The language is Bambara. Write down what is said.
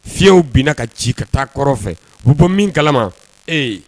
Fiyew bna ka ci ka taa kɔrɔfɔ fɛ u bɔ min kalalama ee